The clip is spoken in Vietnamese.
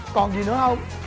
còn gì nữa hông